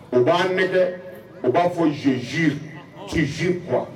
U b'an nɛgɛ u b'a fɔ ko je jure, ɔnhn, tu jure quoi